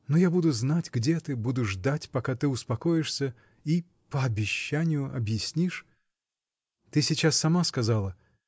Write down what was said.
Но я буду знать, где ты, буду ждать, пока ты успокоишься, и — по обещанию — объяснишь. Ты сейчас сама сказала.